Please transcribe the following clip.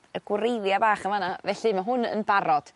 y gwreiddia' bach yn fan 'na felly ma' hwn yn barod